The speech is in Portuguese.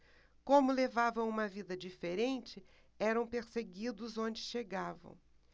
como levavam uma vida diferente eram perseguidos onde chegavam